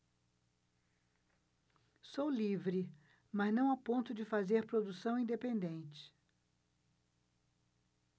sou livre mas não a ponto de fazer produção independente